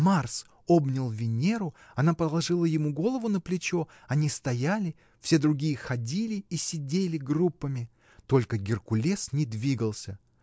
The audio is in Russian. Марс обнял Венеру, она положила ему голову на плечо, они стояли, все другие ходили или сидели группами. Только Геркулес не двигался.